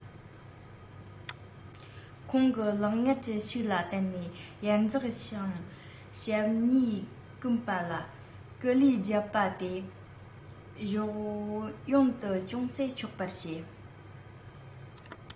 ཁོང གི ལག ངར གྱི ཤུགས ལ བརྟེན ནས ཡར འཛེགས ཤིང ཞབས གཉིས བསྐུམས པ ན སྐུ ལུས རྒྱགས པ དེ གཞོགས གཡོན དུ ཅུང ཟད འཁྱོག པར བྱེད